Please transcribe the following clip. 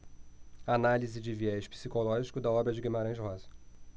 análise de viés psicológico da obra de guimarães rosa